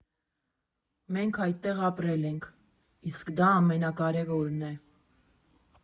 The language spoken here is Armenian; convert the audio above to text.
Մենք այդտեղ ապրել ենք, իսկ դա ամենակարևորն է։